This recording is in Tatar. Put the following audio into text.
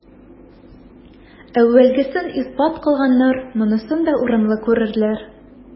Әүвәлгесен исбат кылганнар монысын да урынлы күрерләр.